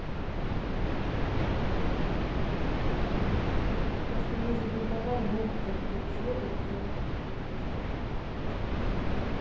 просто мне забинтовали ногу под гипс вот и все